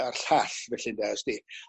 'r llall felly 'de wsdi.